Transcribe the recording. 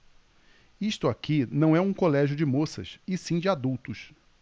isto aqui não é um colégio de moças e sim de adultos